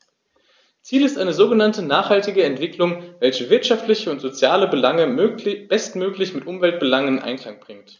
Ziel ist eine sogenannte nachhaltige Entwicklung, welche wirtschaftliche und soziale Belange bestmöglich mit Umweltbelangen in Einklang bringt.